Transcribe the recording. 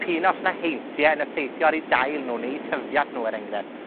Pun os 'na heintie yn effeithio ar 'u dail nw neu 'u tyfiant nw, er enghrefft.